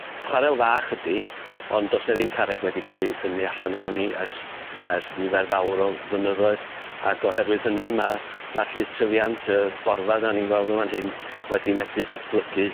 Chwarel fach ydi, ond do's 'ne ddim carreg wedi ca'l 'i thynnu allan ohoni ers ers nifer fawr o flynyddoedd ag oherwydd hynny ma' ma'r llystyfiant yr borfa 'dan ni'n gweld yn fan hyn wedi medru datblygu.